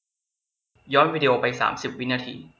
ย้อนวีดีโอไปสามสิบวินาที